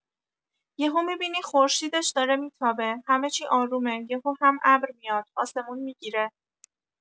یهو می‌بینی خورشیدش داره می‌تابه، همه چی آرومه، یهو هم ابر میاد، آسمون می‌گیره.